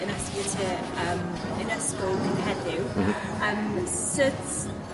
yym yn y scope heddiw. M-hm. Yym sut